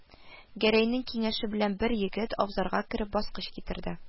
Гәрәйнең киңәше белән бер егет, абзарга кереп, баскыч китерде